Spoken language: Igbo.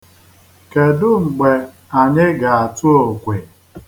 Kedu mgbe anyị ga-atụ okwe?